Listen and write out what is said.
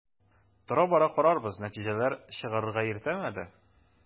Тора-бара карарбыз, нәтиҗәләр чыгарырга иртәме әле?